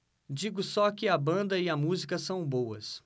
digo só que a banda e a música são boas